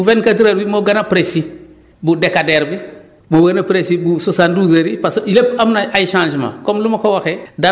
parce que au fur et à mesure buvingt quatre heures bi moo gën a précis bu décadaire bi moo gën a précis bu soixante douze heures yi parce que yëpp am na ay changements